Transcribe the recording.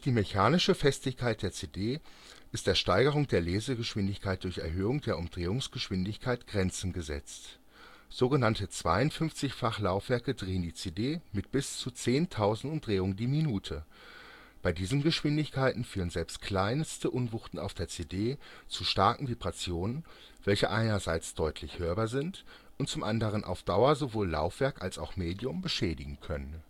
mechanische Festigkeit der CD ist der Steigerung der Lesegeschwindigkeit durch Erhöhung der Umdrehungsgeschwindigkeit Grenzen gesetzt. Sogenannte „ 52-fach “- Laufwerke drehen die CD mit bis zu 10000 min-1 Bei diesen Geschwindigkeiten führen selbst kleinste Unwuchten der CD zu starken Vibrationen, welche einerseits deutlich hörbar sind und zum anderen auf Dauer sowohl Laufwerk als auch Medium beschädigen können